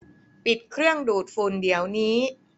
ปิดเครื่องดูดฝุ่นเดี๋ยวนี้